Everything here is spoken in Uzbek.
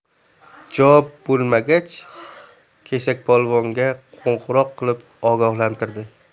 javob bo'lmagach kesakpolvonga qo'ng'iroq qilib ogohlantirdi